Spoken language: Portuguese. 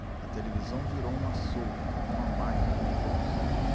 a televisão virou um açougue uma máquina de produzir